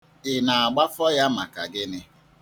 Ị na-agbafọ ya maka gịnị?